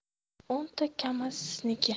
o'nta kamaz sizniki